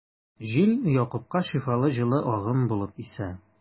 Җил Якупка шифалы җылы агым булып исә.